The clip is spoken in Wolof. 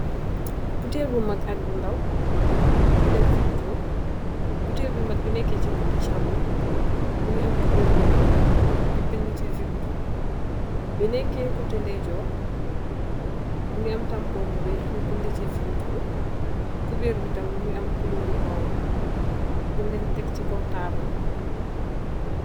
Butel bu am vimto nyun len tek si kaw table.